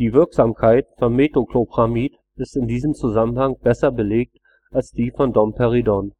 Wirksamkeit von Metoclopramid ist in diesem Zusammenhang besser belegt als die von Domperidon